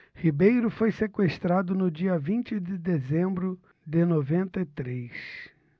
ribeiro foi sequestrado no dia vinte de dezembro de noventa e três